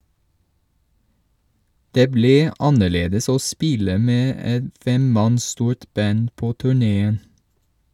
- Det blir annerledes å spille med et femmanns stort band på turneén.